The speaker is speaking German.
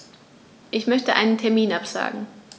Ich möchte einen Termin absagen.